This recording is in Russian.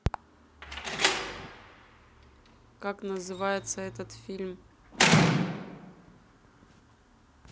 как называется этот фильм